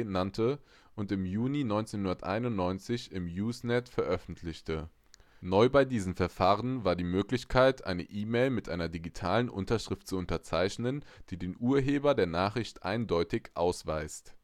nannte und im Juni 1991 im Usenet veröffentlichte. Neu bei diesem Verfahren war die Möglichkeit, eine E-Mail mit einer digitalen Unterschrift zu unterzeichnen, die den Urheber der Nachricht eindeutig ausweist